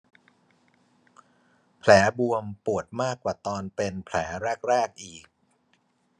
แผลบวมปวดมากกว่าตอนเป็นแผลแรกแรกอีก